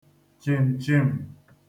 chim̀chim̀